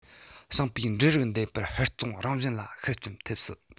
ཞིང པའི འབྲུ རིགས འདེབས པའི ཧུར བརྩོན རང བཞིན ལ ཤུགས རྐྱེན ཐེབས སྲིད